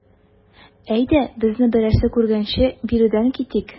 Әйдә, безне берәрсе күргәнче биредән китик.